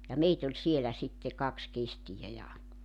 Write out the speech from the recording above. ja meitä oli siellä sitten kaksi kestiä ja